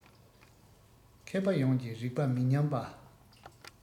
མཁས པ ཡོངས ཀྱི རིག པ མི ཉམས པ